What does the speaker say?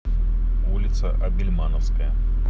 улица абельмановская